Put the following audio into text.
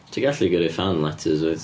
Ti'n gallu gyrru fan letters wyt.